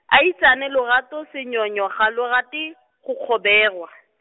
aitsane lorato senyonyo ga lo rate, go kgoberwa.